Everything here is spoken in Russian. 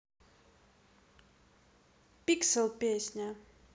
pixel песня